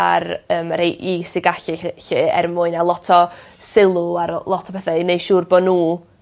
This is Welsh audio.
ar yym rei is eu gallu 'lly 'lly er mwyn a lot o sylw ar lot o betha i neu' siŵr bo' n'w